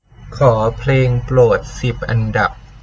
ขอเพลงโปรดสิบอันดับ